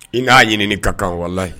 I n'a ɲinini ka kan walahi